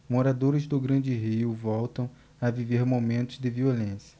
moradores do grande rio voltam a viver momentos de violência